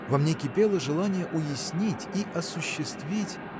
во мне кипело желание уяснить и осуществить.